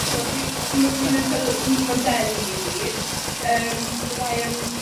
t'wod dwi... Os ma' rywun yn fel m- modelu i fi yym fyddai yn